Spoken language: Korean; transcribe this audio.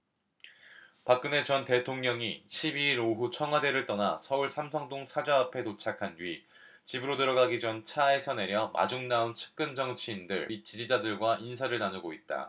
박근혜 전 대통령이 십 이 일 오후 청와대를 떠나 서울 삼성동 사저 앞에 도착한 뒤 집으로 들어가기 전 차에서 내려 마중 나온 측근 정치인들 및 지지자들과 인사를 나누고 있다